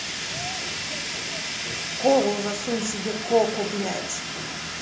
колу засунь себе коку блядь